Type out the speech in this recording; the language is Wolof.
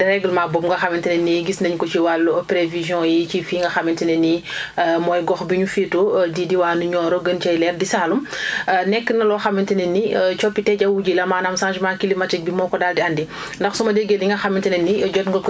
kon ñu mën a jàpp rekk ne déréglement boobu nga xamante ne nii gis nañ ko ci wàllu prévision yi ci fi nga xamante ne nii mooy gox bi ñu féetoo di diwaanu Nioro gën cee leer di Saloum nekk na loo xamante ne nii coppite jaww ji la maanaam changement climatique bi moo ko daal di andi